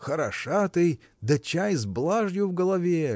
Хороша ты, да, чай, с блажью в голове